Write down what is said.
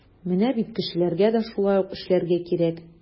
Менә бит кешеләргә дә шулай ук эшләргә кирәк.